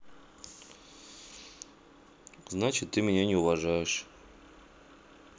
значит ты меня не уважаешь